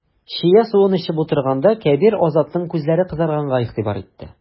Чия суын эчеп утырганда, Кәбир Азатның күзләре кызарганга игътибар итте.